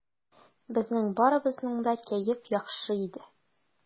Безнең барыбызның да кәеф яхшы иде.